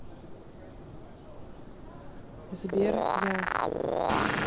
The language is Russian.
сбер я